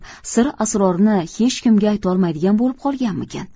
sir asrorini hech kimga aytolmaydigan bo'lib qolganmikin